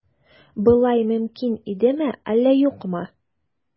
Болай мөмкин идеме, әллә юкмы?